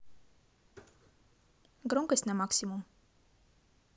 громкость на максимум